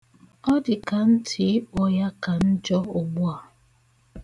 Ọdịka ntị ịkpọ ya ka njọ ugbu a.